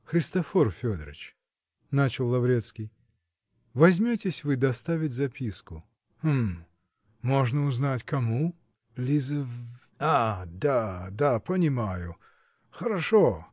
-- Христофор Федорыч, -- начал Лаврецкий, -- возьметесь вы доставить записку? -- Гм. Можно узнать, кому? -- Лиза в. -- А, да, да, понимаю. Хорошо.